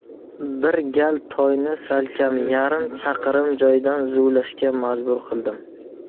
bir gal toyni salkam yarim chaqirim joydan zuvlashga majbur qildim